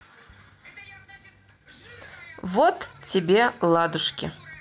вот тебе ладушки